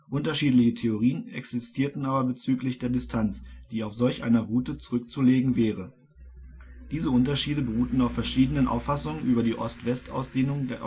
Unterschiedliche Theorien existierten aber bezüglich der Distanz, die auf solch einer Route zurückzulegen wäre. Diese Unterschiede beruhten auf verschiedenen Auffassungen über die Ost-West-Ausdehnung